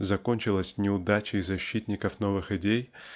закончилась неудачей защитников новых идей